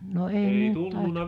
no ei me nyt tai